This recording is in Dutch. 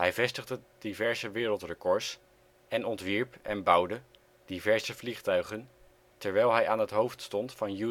vestigde diverse wereldrecords, en ontwierp en bouwde diverse vliegtuigen terwijl hij aan het hoofd stond van